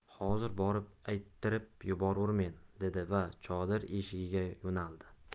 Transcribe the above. hozir borib ayttirib yuborurmen dedi va chodir eshigiga yo'naldi